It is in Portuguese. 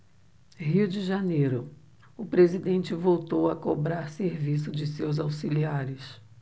rio de janeiro o presidente voltou a cobrar serviço de seus auxiliares